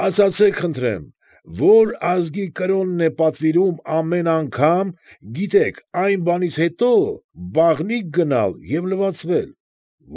Ասացե՛ք, խնդրեմ, ո՞ր ազգի կրոնն է պատվիրում ամեն անգամ, գիտեք, այն բանից հետո, բաղանիք գնալ և լվացվել։